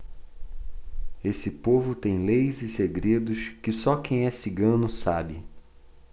esse povo tem leis e segredos que só quem é cigano sabe